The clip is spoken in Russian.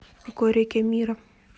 в какой реке мира